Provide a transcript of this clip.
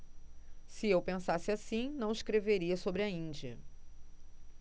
se eu pensasse assim não escreveria sobre a índia